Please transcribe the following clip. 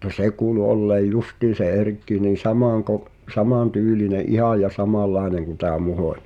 mutta se kuului olleen justiin se Erkki niin - samantyylinen ihan ja samanlainen kuin tämä Muhonen